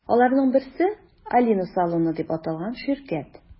Аларның берсе – “Алина салоны” дип аталган ширкәт.